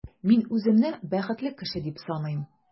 Мин үземне бәхетле кеше дип саныйм.